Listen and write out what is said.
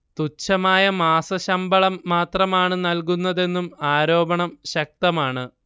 തുച്ഛമായ മാസശമ്പളം മാത്രമാണ് നൽകുന്നതെന്നും ആരോപണം ശക്തമാണ്